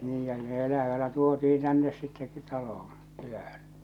niinhän ne elävänä tuotiin tänne sitten taloon kylään